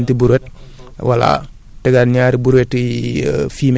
ma defaat beneen couche boo nga xamante ne ñax laay teg ñeenti brouette